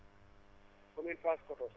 commune Paoskoto